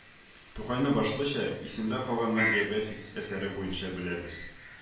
Тукайны, башлыча, Исемдә калганнар биографик әсәре буенча беләбез